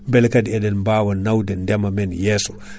bele kaadi eɗen bawa nawde ndeema men yeeso